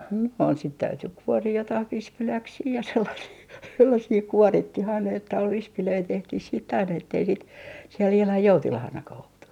no - sitten täytyi kuoria jotakin vispiläksiä ja sellaisia sellaisia kuorittiin aina että oli vispilöitä tehtiin sitten aina että ei sitten siellä ihan joutilaanakaan oltu